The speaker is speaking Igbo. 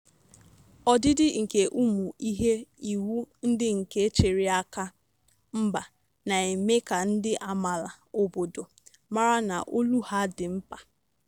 Ọdịdị nke ụmụ ihe iwu ndị nke chere aka mgba na-eme ka ndị amaala obodo mara na olu ha dị mkpa.